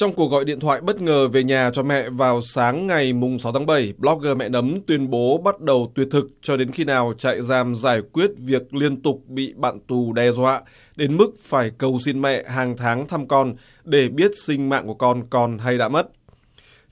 trong cuộc gọi điện thoại bất ngờ về nhà cho mẹ vào sáng ngày mùng sáu tháng bảy bóc gờ mẹ nấm tuyên bố bắt đầu tuyệt thực cho đến khi nào chạy giam giải quyết việc liên tục bị bạn tù đe dọa đến mức phải cầu xin mẹ hàng tháng thăm con để biết sinh mạng của con còn hay đã mất